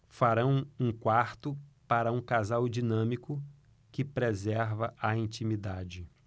farão um quarto para um casal dinâmico que preserva a intimidade